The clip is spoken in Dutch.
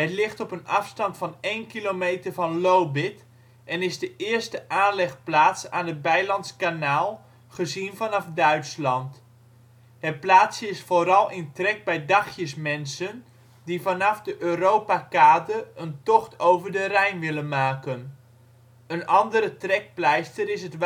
ligt op een afstand van 1 kilometer van Lobith en is de eerste aanlegplaats aan het Bijlandsch Kanaal, gezien vanuit Duitsland. Het plaatsje is vooral in trek bij " dagjesmensen " die vanaf de Europakade een tocht over de Rijn willen maken. Een andere trekpleister is het